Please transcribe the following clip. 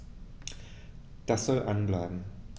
Das soll an bleiben.